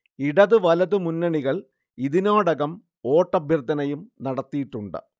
ഇടത് വലത് മുന്നണികൾ ഇതിനോടകം വോട്ടഭ്യർത്ഥനയും നടത്തിയിട്ടുണ്ട്